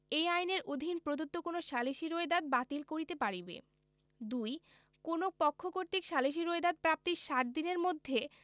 এই আইনের অধীন প্রদত্ত কোন সালিসী রোয়েদাদ বাতিল করিতে পারিবে ২ কোন পক্ষ কর্তৃক সালিসী রোয়েদাদ প্রাপ্তির ষাট দিনের মধ্যে